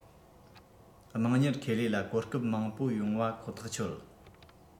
དམངས གཉེར ཁེ ལས ལ གོ སྐབས མང པོ ཡོང བ ཁོ ཐག ཆོད